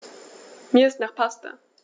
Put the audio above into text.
Mir ist nach Pasta.